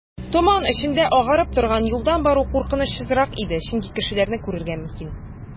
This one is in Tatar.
Томан эчендә агарып торган юлдан бару куркынычсызрак иде, чөнки кешеләрне күрергә мөмкин.